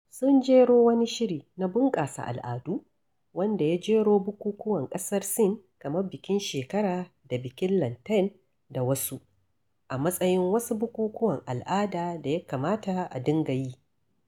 Sun jero wani shiri na bunƙasa al'adu wanda ya jero bukukuwan ƙasar Sin kamar bikin shekara da bikin Lantern, da wasu, a matsayin wasu bukukuwan al'ada da ya kamata a dinga yi.